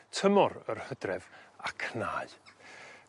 tymor yr Hydref a cnau.